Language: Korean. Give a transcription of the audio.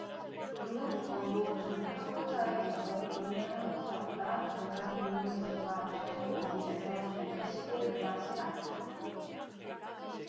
근무조건도 중국 항공사의 경우 국내 항공사보다 연간 근무 일수가 최소 오 일에서 최대 십 오 일까지 많다